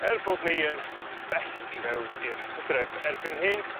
Er bod ni yn bell i fewn i'r Hydref erbyn hyn